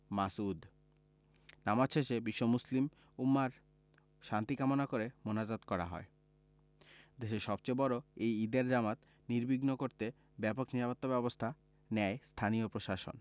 মাসউদ নামাজ শেষে বিশ্ব মুসলিম উম্মাহর শান্তি কামনা করে মোনাজাত করা হয় দেশের সবচেয়ে বড় এই ঈদের জামাত নির্বিঘ্ন করতে ব্যাপক নিরাপত্তাব্যবস্থা নেয় স্থানীয় প্রশাসন